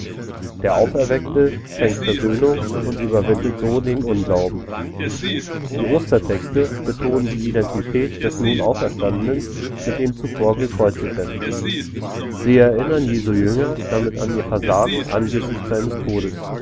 Der Auferweckte schenkt Versöhnung und überwindet so den Unglauben Die Ostertexte betonen die Identität des nun Auferstandenen mit dem zuvor Gekreuzigten. Sie erinnern Jesu Jünger damit an ihr Versagen angesichts seines Todes